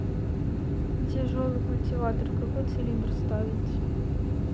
на тяжелый культиватор какой цилиндр ставить